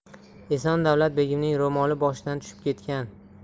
eson davlat begimning ro'moli boshidan tushib ketgan